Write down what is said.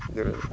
jërëjëf